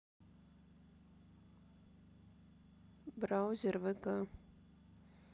браузер вк